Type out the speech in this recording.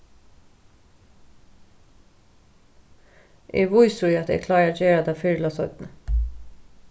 eg eri vísur í at eg klári at gera tað fyrr ella seinni